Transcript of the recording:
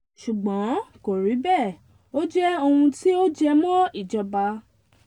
Ṣúgbọ́n kò rí bẹ́ẹ̀, ó jẹ́ ohun tí ó jẹ́mọ́ ìjọba.